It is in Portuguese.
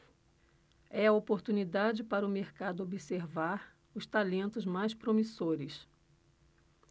é a oportunidade para o mercado observar os talentos mais promissores